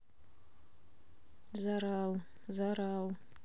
зарал